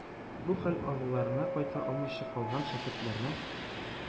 Бу хәл авылларына кайта алмыйча калган шәкертләрне